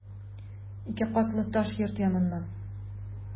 Ике катлы таш йорт яныннан...